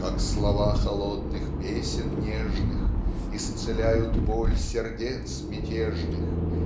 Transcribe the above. Как слова холодных песен нежных Исцеляют боль сердец мятежных